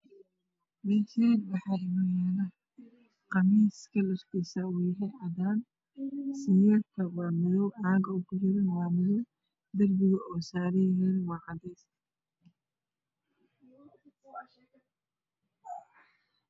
Meshan waxainayalo qamiis kalarkisu owyahaycadan sinyerkawaamadow caga ukujiro waa derbiga usaranyahayna waacades